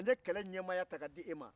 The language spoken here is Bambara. n ye kɛlɛ ɲɛmaaya ta ka di e ma